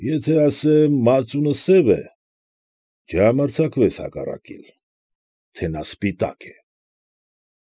Եթե ասեմ մածունը սև է ֊ չհամարձակվես հակառակել, թե նա սպիտակ է։